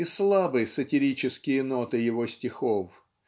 и слабы сатирические ноты его стихов